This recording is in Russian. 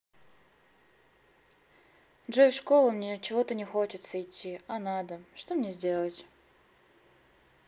джой в школу мне чего то не хочется идти а надо что мне сделать